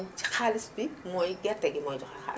xaalis bi mooy gerte gi mooy joxe xaalis